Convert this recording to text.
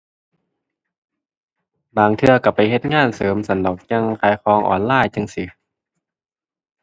บางเทื่อก็ไปเฮ็ดงานเสริมซั้นดอก อย่างขายของออนไลน์จั่งซี้